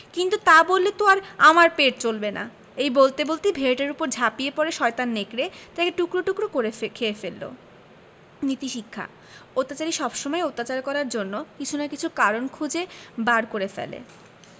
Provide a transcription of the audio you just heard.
কিন্তু তা বললে তো আর আমার পেট চলবে না এই বলতে বলতেই ভেড়াটার উপর ঝাঁপিয়ে পড়ে শয়তান নেকড়ে তাকে টুকরো টুকরো করে খেয়ে ফেলল নীতিশিক্ষাঃ অত্যাচারী সবসময়ই অত্যাচার করার জন্য কিছু না কিছু কারণ খুঁজে বার করে ফেলে